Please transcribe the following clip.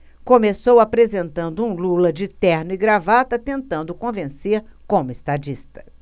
começou apresentando um lula de terno e gravata tentando convencer como estadista